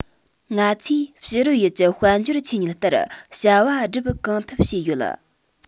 ང ཚོས ཕྱི རོལ ཡུལ གྱི དཔལ འབྱོར ཆོས ཉིད ལྟར བྱ བ སྒྲུབ གང ཐུབ བྱས ཡོད